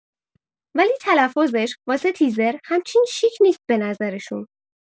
ولی تلفظش واسه تیزر همچین شیک نیست به نظرشون.